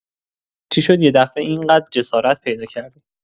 چی شد یه دفعه اینقدر جسارت پیدا کردی؟